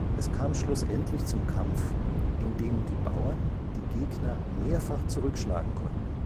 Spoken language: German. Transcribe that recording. Es kam schlussendlich zum Kampf, in dem die Bauern die Gegner mehrfach zurückschlagen konnten